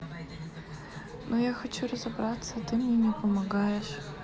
ну я хочу разобраться а ты мне не помогаешь